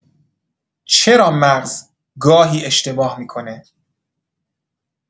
چرا مغز گاهی اشتباه می‌کنه؟